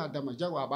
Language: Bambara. A majan wa